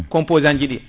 composant ji ɗi